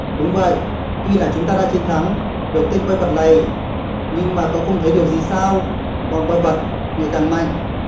đúng vậy tuy là chúng ta đã chiến thắng được tên quái vật này nhưng mà cậu không thấy điều gì sao bọn quái vật ngày càng mạnh